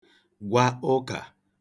gwa ụkà